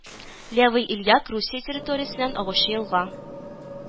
Левый Ильяк Русия территориясеннән агучы елга